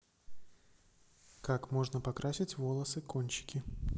как можно покрасить волосы кончики